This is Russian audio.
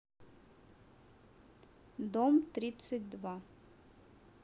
дом тридцать два